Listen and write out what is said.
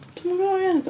Dwi ddim yn gwybod ie...